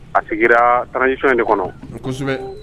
A sigira tanjifi de kɔnɔ kosɛbɛ